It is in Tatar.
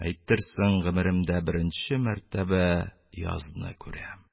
Әйтерсең, гомеремдә беренче мәртәбә язны күрәм.